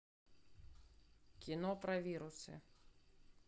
кино про вирусы